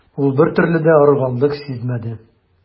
Ул бертөрле дә арыганлык сизмәде.